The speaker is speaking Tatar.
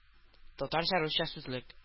Татарча-русча сүзлек